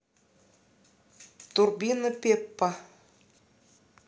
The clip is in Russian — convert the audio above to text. турбина пеппа